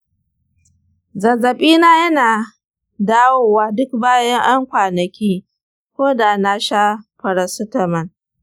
zazzabina yana dawowa duk bayan ’yan kwanaki ko da na sha paracetamol